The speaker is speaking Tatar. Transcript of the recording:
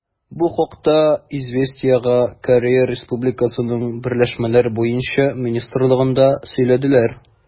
Бу хакта «Известия»гә Корея Республикасының берләшмәләр буенча министрлыгында сөйләделәр.